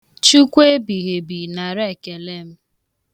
Chukwu ebigheebi nara ekele m.